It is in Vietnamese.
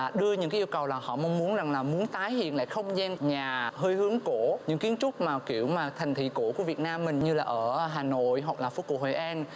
và đưa những yêu cầu là họ mong muốn lần là muốn tái hiện lại không gian nhà hơi hướng cổ những kiến trúc màu kiểu mà thành thị cổ của việt nam mình như là ở hà nội hoặc là phố cổ hội an